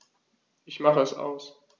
Ich mache es aus.